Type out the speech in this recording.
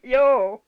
joo